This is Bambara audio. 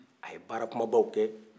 a ye baara kumabaw kɛ